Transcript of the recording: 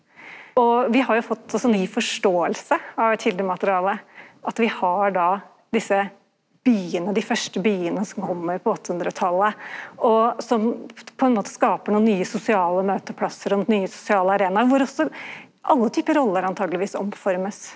og vi har jo fått også ny forståing av eit kjeldemateriale, at vi har då desse byane dei første byane som kjem på åttehundretalet og som på ein måte skaper nokon nye sosiale møteplassar og nye sosiale arenaer, kor også alle typar rollar antakeleg omformast.